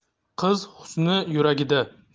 qiz husni yuragida